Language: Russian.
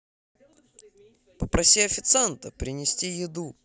попроси официанта принести еду